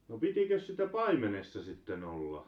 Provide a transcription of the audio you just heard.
no pitikös sitä paimenessa sitten olla